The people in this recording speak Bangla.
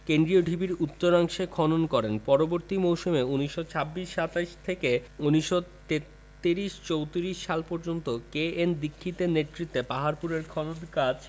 কেন্দ্রীয় ঢিবির উত্তরাংশে খনন করেন পরবর্তী মৌসুম ১৯২৬ ২৭ থেকে ১৯৩৩ ৩৪ সাল পর্যন্ত কে.এন দীক্ষিত এর নেতৃত্বে পাহাড়পুরে খনন কাজ